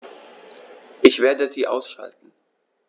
Ich werde sie ausschalten